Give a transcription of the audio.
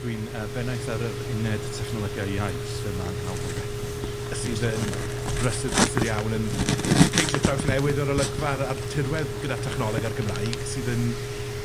Dwi'n yy bennaeth ar yr uned technolegau iaith yma yng Nghanolfan Bedwyr... Sydd yn... Prifysgol Bangor. ...brysur brysur iawn yn ceisio trawsnewid yr olygfa a'r a'r tirwedd gyda technoleg a'r Gymraeg, sydd yn